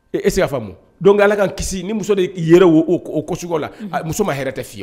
Ee ese ka famu dɔn ala ka kisi ni muso de yɛrɛ o ko la muso ma yɛrɛ tɛ f'i ye